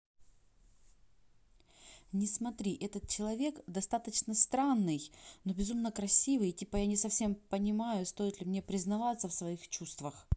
не смотри этот человечек достаточно странный но безумно красивый и типа я не совсем понимаю стоит ли мне признаваться в своих чувствах